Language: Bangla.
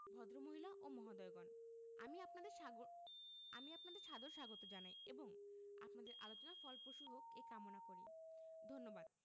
ভদ্রমহিলা ও মহোদয়গণ আমি আপনাদের সাগো আমি আপনাদের সাদর স্বাগত জানাই এবং আপনাদের আলোচনা ফলপ্রসূ হোক এ কামনা করি ধন্যবাদ